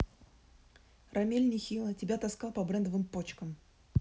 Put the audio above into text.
рамиль нехило тебя таскал по брендовым почкам